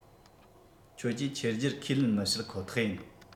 ཁྱོད ཀྱིས ཁྱེར རྒྱུར ཁས ལེན མི བྱེད ཁོ ཐག ཡིན